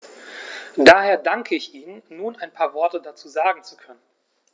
Daher danke ich Ihnen, nun ein paar Worte dazu sagen zu können.